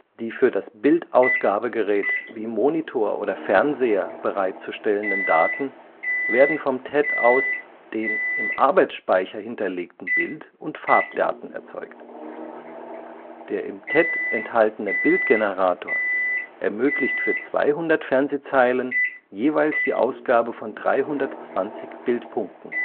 Die für das Bildausgabegerät wie Monitor oder Fernseher bereitzustellenden Daten werden vom TED aus den im Arbeitspeicher hinterlegten Bild - und Farbdaten erzeugt. Der im TED enthaltene Bildgenerator ermöglicht für 200 Fernsehzeilen jeweils die Ausgabe von 320 Bildpunkten